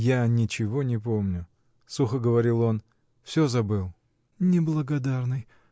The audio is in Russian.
— Я ничего не помню, — сухо говорил он, — всё забыл! — Неблагодарный!